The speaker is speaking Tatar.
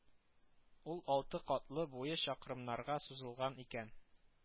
Ул алты катлы, буе чакрымнарга сузылган икән